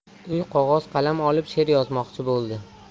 u qog'oz qalam olib sher yozmoqchi bo'ldi